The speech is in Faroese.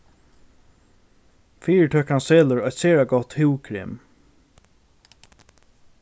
fyritøkan selur eitt sera gott húðkrem